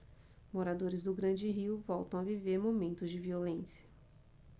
moradores do grande rio voltam a viver momentos de violência